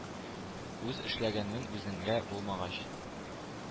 Үз эшләгәнең үзеңә булмагач,